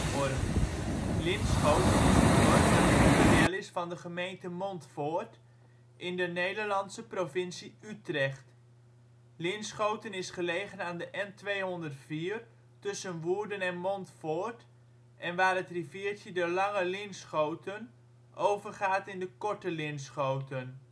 OL Linschoten Plaats in Nederland Situering Provincie Utrecht Gemeente Montfoort Coördinaten 52° 4′ NB, 4° 55′ OL Algemeen Inwoners (2003) 5.000 Overig Belangrijke verkeersaders N204 Detailkaart Locatie in de gemeente Montfoort Portaal Nederland Dorpstraat Blik op de polder vanuit de Dorpsstraat Nieuwe Zandweg Linschoten is een dorp dat onderdeel is van de gemeente Montfoort in de Nederlandse provincie Utrecht. Linschoten is gelegen aan de N204 tussen Woerden en Montfoort en waar het riviertje de Lange Linschoten overgaat in de Korte Linschoten